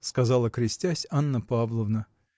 – сказала, крестясь, Анна Павловна.